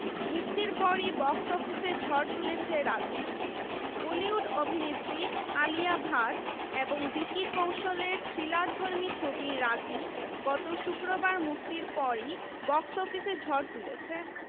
মুক্তির পরই বক্স অফিসে ঝড় তুলেছে রাজি বলিউড অভিনেত্রী আলিয়া ভাট এবং ভিকি কৌশলের থ্রিলারধর্মী ছবি রাজী গত শুক্রবার মুক্তির পরই বক্স অফিসে ঝড় তুলেছে